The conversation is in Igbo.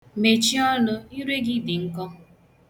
Mechie ọnụ! ire gị dị nkọ.